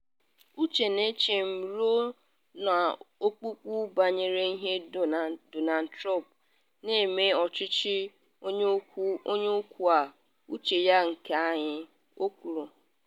“Uche na-eche m ruo n’ọkpụkpụ banyere ihe Donald Trump na-eme ọchịchị onye kwuo uche ya nke anyị,” o kwuru.